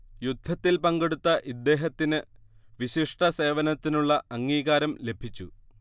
യുദ്ധത്തിൽ പങ്കെടുത്ത ഇദ്ദേഹത്തിന് വിശിഷ്ട സേവനത്തിനുള്ള അംഗീകാരം ലഭിച്ചു